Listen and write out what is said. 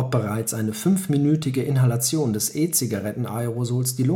bereits eine 5-minütige Inhalation des E-Zigarettenaerosols die